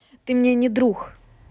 ты мне не друг